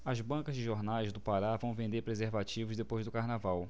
as bancas de jornais do paraná vão vender preservativos depois do carnaval